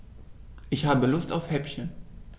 Ich habe Lust auf Häppchen.